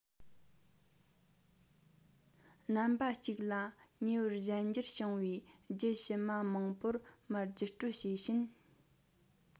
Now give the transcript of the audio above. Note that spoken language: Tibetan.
རྣམ པ གཅིག ལ ཉེ བར གཞན འགྱུར བྱུང བའི རྒྱུད ཕྱི མ མང པོར མར བརྒྱུད སྤྲོད བྱས ཕྱིན